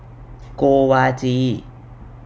โกวาจี